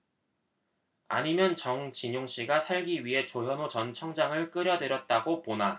아니면 정진용씨가 살기 위해 조현오 전 청장을 끌여들였다고 보나